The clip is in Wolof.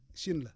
Chine la